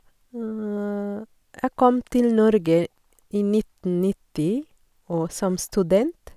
Jeg kom til Norge i nitten nitti og som student.